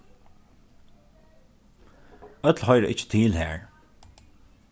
øll hoyra ikki til har